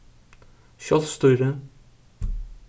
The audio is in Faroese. sjálvstýri